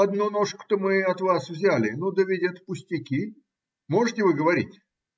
Одну ножку-то мы от вас взяли; ну, да ведь это пустяки. Можете вы говорить?